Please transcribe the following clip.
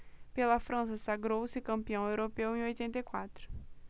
pela frança sagrou-se campeão europeu em oitenta e quatro